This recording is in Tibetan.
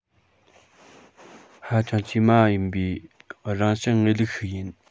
ཧ ཅང དཀྱུས མ ཡིན པའི རང བྱུང ངེས ལུགས ཤིག ཡིན